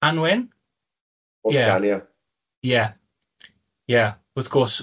Anwen>... Morgan, ia... Ie, ie, wrth gwrs.